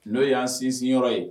N'o y'an sinsinyɔrɔ ye